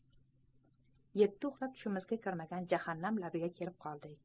yetti uxlab tushimizga kirmagan jahannam labiga kelib qoldik